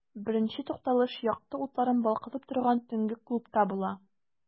Беренче тукталыш якты утларын балкытып торган төнге клубта була.